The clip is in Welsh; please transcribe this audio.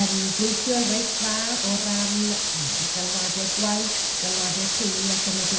yn gweithio'n reit dda o ran yym galwadau gwaith, galwadau teulu ac yn y blaen,